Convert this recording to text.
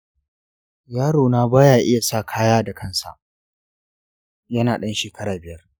yarona ba ya iya sanya kaya da kansa yana ɗan shekara biyar.